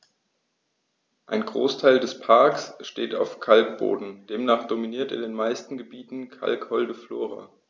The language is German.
Ein Großteil des Parks steht auf Kalkboden, demnach dominiert in den meisten Gebieten kalkholde Flora.